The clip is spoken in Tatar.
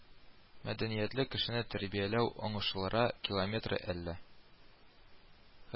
Мәдәниятле кешене тәрбияләү уңышлыра километры, әллә